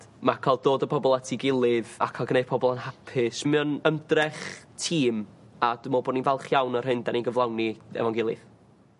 ...ma' ca'l dod â pobol at 'i gilydd a ca'l gneud pobol yn hapus m'e o'n ymdrech tîm a dwi me'wl bo' ni'n falch iawn o'r hyn 'dan ni'n gyflawni efo'n gilydd.